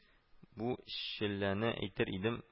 —бу челләне әйтер идем